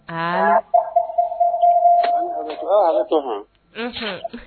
Aa , a ye hakɛ to,a ye hakɛ to an, unhun.